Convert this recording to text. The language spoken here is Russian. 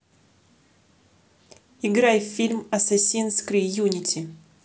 играй в фильм assassins cree unity